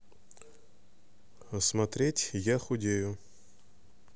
смотреть я худею